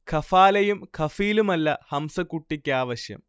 ഖഫാലയും ഖഫീലുമല്ല ഹംസകുട്ടിക്കാവശ്യം